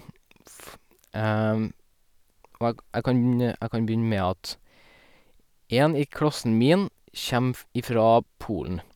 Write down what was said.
Og eg jeg kan jeg kan begynne med at en i klassen min kjem f ifra Polen.